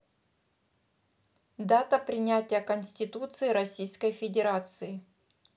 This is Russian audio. дата принятия конституции российской федерации